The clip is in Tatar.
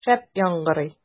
Шәп яңгырый!